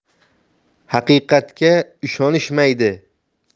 haqiqatga ishonishmaydi